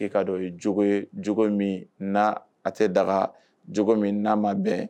K'i kaa dɔn ye ye cogo'a a tɛ daga cogo min n'a ma bɛn